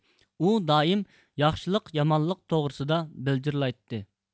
ئۇ دائىم ياخشىلىق يامانلىق توغرىسىدا بىلجېرلايتتى